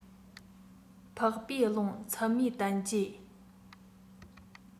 འཕགས པའི ལུང ཚད མའི བསྟན བཅོས